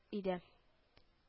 Иде